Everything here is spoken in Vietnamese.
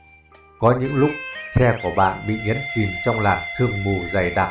có những lúc xe bạn bị nhấn chìm trong làn sương mù dày đặc